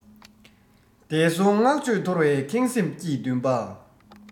འདས སོང བསྔགས བརྗོད ཐོར བའི ཁེངས སེམས ཀྱི འདུན པ